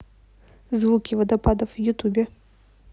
звуки водопадов в ютубе